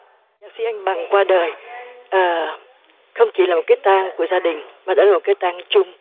nhạc sĩ anh bằng qua đời à không chỉ là một cái tang của gia đình mà đó là một cái tang chung